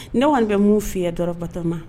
Ne kɔni bɛ mun fɲɛ dɔrɔnɔrɔ batoma